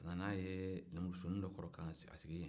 an nana n'a ye lenburusunni dɔ kɔrɔ ka n'a sigi yen